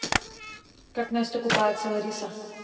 как настя купается лариса